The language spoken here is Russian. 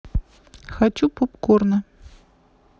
хочу поп корна